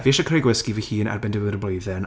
Fi eisiau creu gwisg i fi hun erbyn diwedd y blwyddyn...